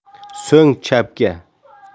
so'ng chapga